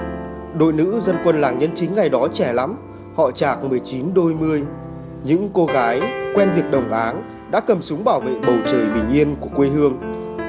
đội nữ dân quân làng nhân chính ngày đó trẻ lắm họ trạc mười chín đôi mươi những cô gái quen việc đồng áng đã cầm súng bảo vệ bầu trời bình yên của quê hương